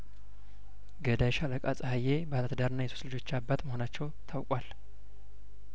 ገዳይ ሻለቃ ጸሀዬ ባለ ትዳርና የሶስት ልጆች አባት መሆናቸው ታውቋል